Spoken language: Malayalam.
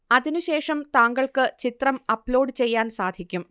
അതിനുശേഷം താങ്കൾക്ക് ചിത്രം അപ്ലോഡ് ചെയ്യാന് സാധിക്കും